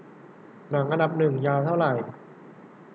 หนังอันดับหนึ่งยาวเท่าไหร่